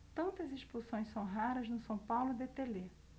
tantas expulsões são raras no são paulo de telê